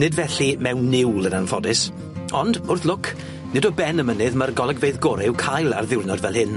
Nid felly mewn niwl yn anffodus ond wrth lwc nid o ben y mynydd ma'r golygfeydd gore i'w cael ar ddiwrnod fel hyn.